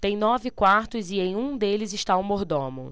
tem nove quartos e em um deles está o mordomo